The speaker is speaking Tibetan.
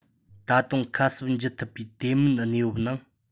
ད དུང ཁ གསབ བགྱི ཐུབ པའི དེ མིན གནས བབ ནང